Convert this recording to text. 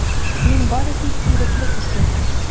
Мин бары тик ирекле кеше.